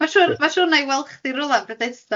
Ma'n siŵr ma'n siŵr wna i weld chdi rywle'n Bethesda.